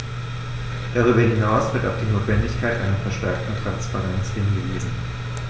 Darüber hinaus wird auf die Notwendigkeit einer verstärkten Transparenz hingewiesen.